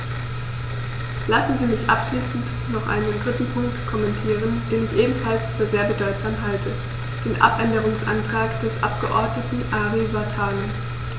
Lassen Sie mich abschließend noch einen dritten Punkt kommentieren, den ich ebenfalls für sehr bedeutsam halte: den Abänderungsantrag des Abgeordneten Ari Vatanen.